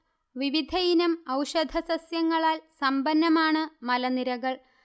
വിവിധയിനം ഔഷധ സസ്യങ്ങളാൽ സമ്പന്നമാണ് മലനിരകൾ